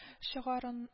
Чыгарын